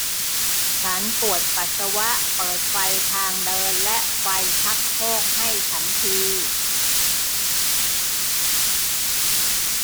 ฉันปวดปัสสาวะเปิดไฟทางเดินและไฟชักโครกให้ฉันที